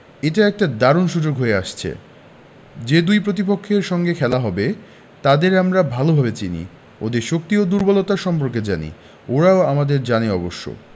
এটা একটা দারুণ সুযোগ হয়ে আসছে যে দুই প্রতিপক্ষের সঙ্গে খেলা হবে তাদের আমরা ভালোভাবে চিনি ওদের শক্তি ও দুর্বলতা সম্পর্কে জানি ওরাও আমাদের জানে অবশ্য